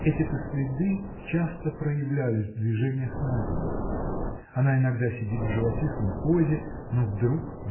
Эти-то следы часто проявлялись в движениях Наденьки. Она иногда сидит в живописной позе но вдруг